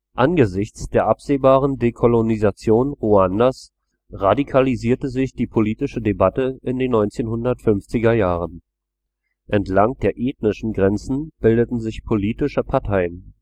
Angesichts der absehbaren Dekolonisation Ruandas radikalisierte sich die politische Debatte in den 1950er Jahren. Entlang der „ ethnischen “Grenzen bildeten sich politische Parteien